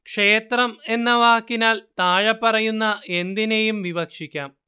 ക്ഷേത്രം എന്ന വാക്കിനാൽ താഴെപ്പറയുന്ന എന്തിനേയും വിവക്ഷിക്കാം